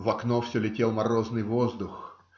В окно все летел морозный воздух